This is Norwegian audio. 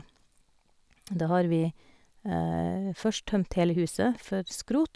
Da har vi først tømt hele huset for skrot.